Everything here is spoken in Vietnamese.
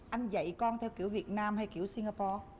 anh dạy con theo kiểu việt nam hay kiểu sinh ga po